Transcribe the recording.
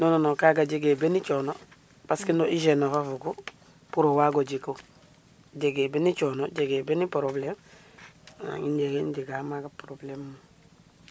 Non non kaaga jegee beni coono parce que no hygiene of a fogu pour o waag o jiku jegee ben coono jegee ben probleme ina ge njega maaga prbleme.